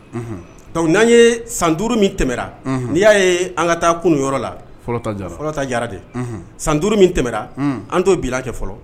Unhun donc n'an yee san 5 min tɛmɛra unhun n'i y'a ye an ka taa kunu yɔrɔ la fɔlɔ ta jiyara fɔlɔ ta jiyara de unhun san 5 min tɛmɛra unnn an t'o bilan kɛ fɔlɔ